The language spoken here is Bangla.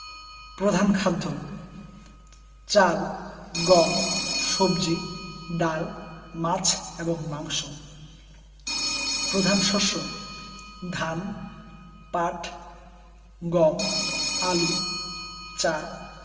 প্রধান খাদ্যঃ চাল গম সবজি ডাল মাছ এবং মাংস প্রধান শস্যঃ ধান পাট গম আলু চা